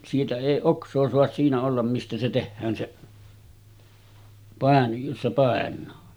siitä ei oksaa saa siinä olla mistä se tehdään se - jossa painaa